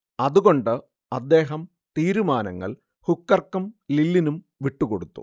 അതുകൊണ്ട് അദ്ദേഹം തീരുമാനങ്ങൾ ഹുക്കർക്കും ലില്ലിനും വിട്ടുകൊടുത്തു